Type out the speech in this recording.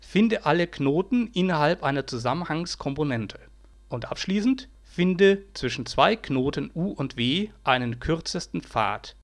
Finde alle Knoten innerhalb einer Zusammenhangskomponente Finde zwischen zwei Knoten u und w einen kürzesten Pfad